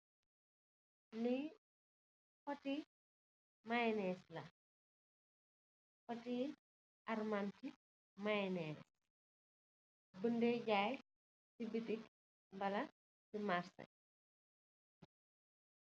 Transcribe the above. Li poti mayonnaise la, poti armanti mayonnaise bun de jaye si bitik mbala si marseh.